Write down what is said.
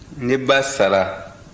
ne ba sara